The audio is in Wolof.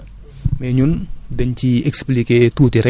dafa nekk technique bu nga xamante ni peut être xeet yi bari na